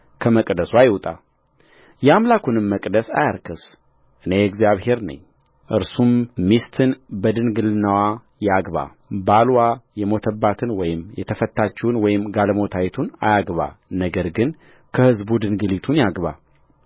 ከመቅደስ አይውጣ የአምላኩንም መቅደስ አያርክስ እኔ እግዚአብሔር ነኝእርሱም ሚስትን በድንግልናዋ ያግባባልዋ የሞተባትን ወይም የተፋታችውን ወይም ጋለሞታይቱን አያግባ ነገር ግን ከሕዝቡ ድንግሊቱን ያግባ